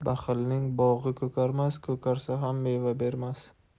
baxilning bog'i ko'karmas ko'karsa ham meva bermas